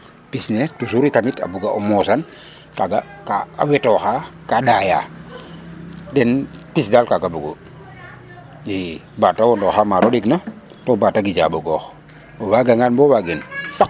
Pis ne toujours tamit a buga o mosan kaaga ka wetoaxa kaa ɗayaa den; pis daal kaaga bugu i ba ta wondooxaa ma roɗigna to ba ta gijaa ɓogoox o waagangan bo waagin